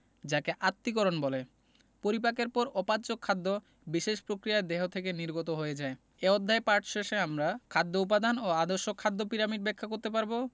যাকে আত্তীকরণ বলে পরিপাকের পর অপাচ্য খাদ্য বিশেষ প্রক্রিয়ায় দেহ থেকে নির্গত হয়ে যায় এ অধ্যায় পাঠ শেষে আমরা খাদ্য উপাদান ও আদর্শ খাদ্য পিরামিড ব্যাখ্যা করতে পারব